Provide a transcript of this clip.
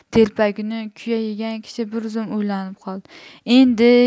telpagini kuya yegan kishi bir zum o'ylanib qoldi